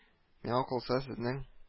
Миңа калса, сезнең